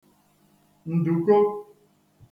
ǹdùko